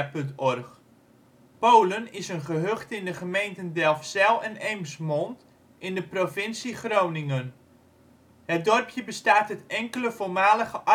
OL Polen is een gehucht in de gemeenten Delfzijl en Eemsmond in de provincie Groningen. Het dorpje bestaat uit enkele voormalige arbeidershuisjes